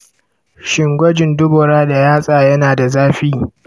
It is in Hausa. shin gwajin dubura da yasta yana da zafi?